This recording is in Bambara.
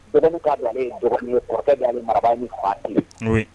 Dɔgɔnin ka dɔn ale ye dɔgɔni ye kɔrɔkɛ de ye ale marabaga ni fa .